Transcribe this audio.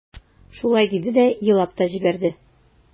Шулай диде дә елап та җибәрде.